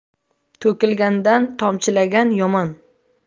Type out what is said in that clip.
to'kilgandan tomchilagan yomon